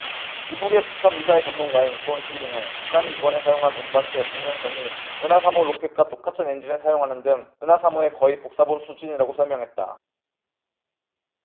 미국의 북한 미사일 전문가인 존 실링은 북한이 이번에 사용한 운반체 광명성이 은하 삼 호 로켓과 똑같은 엔진을 사용하는 등 은하 삼 호의 거의 복사본 수준이라고 설명했다